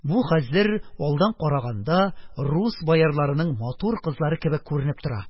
Бу хәзер, алдан караганда, рус боярларының матур кызлары кебек күренеп тора.